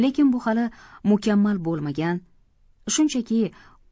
lekin bu hali mukammal bo'lmagan shunchaki